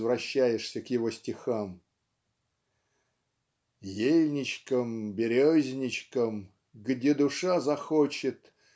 возвращаешься к его стихам) Ельничком, березничком где душа захочет